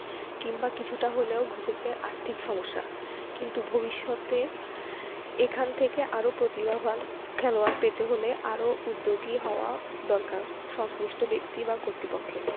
কিংবা কিছুটা হলেও ঘুচেছে আর্থিক সমস্যা কিন্তু ভবিষ্যতে এখান থেকে আরও প্রতিভাবান খেলোয়াড় পেতে হলে আরও উদ্যোগী হওয়া দরকার সংশ্লিষ্ট ব্যক্তি বা কর্তৃপক্ষের